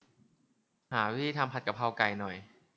หาวิธีทำผัดกะเพราไก่หน่อย